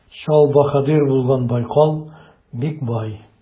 Чал баһадир булган Байкал бик бай.